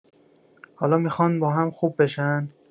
حالا میخوان با هم خوب بشن؟